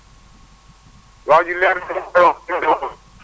waay ji